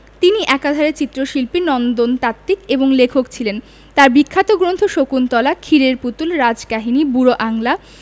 তিনি একাধারে চিত্রশিল্পী নন্দনতাত্ত্বিক এবং লেখক ছিলেন তার বিখ্যাত গ্রন্থ শকুন্তলা ক্ষীরের পুতুল রাজকাহিনী বুড়ো আংলা